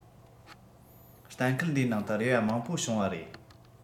གཏན འཁེལ འདིའི ནང དུ རེ བ མང པོ བྱུང བ རེད